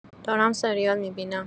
دارم سریال می‌بینم.